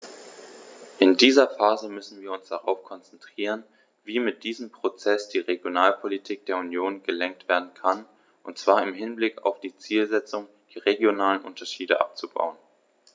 In dieser Phase müssen wir uns darauf konzentrieren, wie mit diesem Prozess die Regionalpolitik der Union gelenkt werden kann, und zwar im Hinblick auf die Zielsetzung, die regionalen Unterschiede abzubauen.